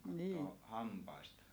katsoo hampaista